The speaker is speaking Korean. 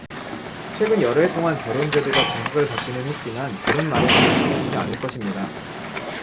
최근 여러 해 동안 결혼 제도가 공격을 받기는 했지만 결혼 마련은 없어지지 않을 것입니다